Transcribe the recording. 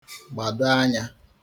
gbado ānyā